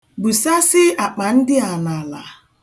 Busasị akpa ndịa n'ala.